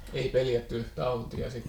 ei pelätty tautia sitten